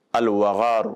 Alwagaaru